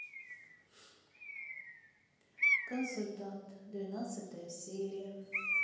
консультант двенадцатая серия